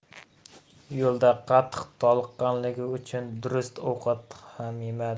yo'lda qattiq toliqqanligi uchun durust ovqat ham yemadi